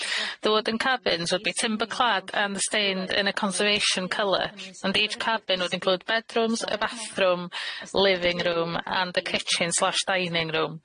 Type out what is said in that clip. The wooden cabins would be timber clad and stained in a conservation colour, and each cabin would include bedrooms, a bathroom, living room, and a kitchen slash dining room.